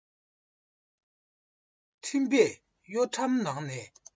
འཕྲིན པས གཡོ ཁྲམ ནང ནས